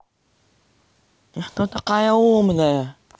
ты что такая умная